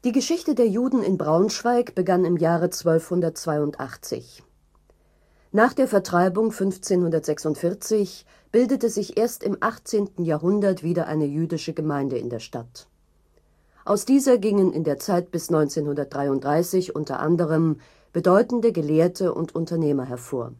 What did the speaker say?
Geschichte der Juden in Braunschweig begann im Jahre 1282. Nach der Vertreibung 1546 bildete sich erst im 18. Jahrhundert wieder eine jüdische Gemeinde in der Stadt. Aus dieser gingen in der Zeit bis 1933 u. A. bedeutende Gelehrte und Unternehmer hervor